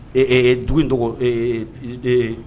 Ee ɛɛ , dugu in tɔgɔ, ee, ee